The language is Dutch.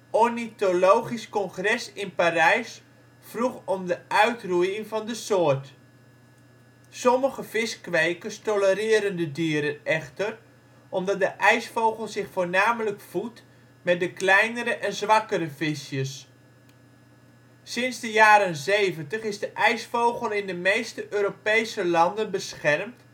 ornithologisch congres in Parijs vroeg om de uitroeiing van de soort. Sommige viskwekers tolereren de dieren echter, omdat de ijsvogel zich voornamelijk voedt met de kleinere en zwakkere visjes. Sinds de jaren zeventig is de ijsvogel in de meeste Europese landen beschermd